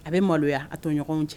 A bɛ maloya a to ɲɔgɔnw cɛ